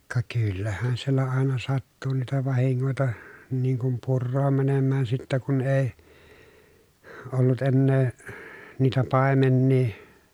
ka kyllähän siellä aina sattui niitä vahinkoja niin kuin puroon menemään sitten kun ei ollut enää niitä paimenia